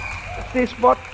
si xờ bót